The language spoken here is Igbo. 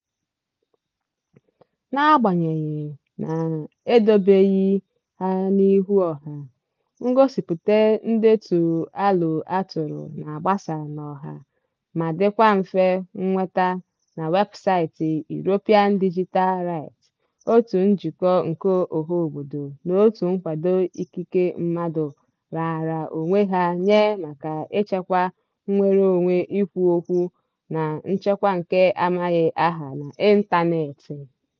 N'agbanyeghi na edobeghi ha n'ihu ọha, ngosipụta ndetu alo atụrụ na-agbasa n'ọha ma dịkwa mfe nweta na weebụsaịtị European Digital Rights, òtù njikọ nke ọhaobodo na òtù nkwado ikike mmadụ raara onwe ha nye maka ichekwa nnwereonwe ikwu okwu na nchekwa nke amaghị aha n'ịntaneetị.